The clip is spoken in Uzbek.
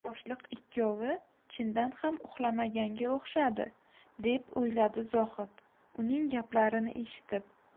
boshliq ikkovi chindan ham uxlamaganga o'xshashadi deb o'yladi zohid uning gaplarini eshitib